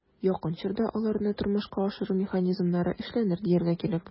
Якын чорда аларны тормышка ашыру механизмнары эшләнер, дияргә кирәк.